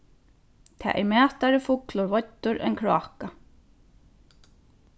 tað er mætari fuglur veiddur enn kráka